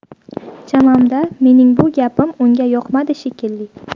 chamamda mening bu gapim unga yoqmadi shekilli